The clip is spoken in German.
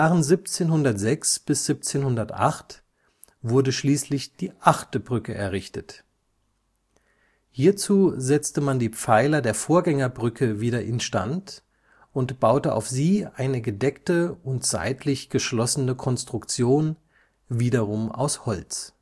1706 – 1708 wurde schließlich die achte Brücke errichtet. Hierzu setzte man die Pfeiler der Vorgängerbrücke wieder instand und baute auf sie eine gedeckte und seitlich geschlossene Konstruktion, wiederum aus Holz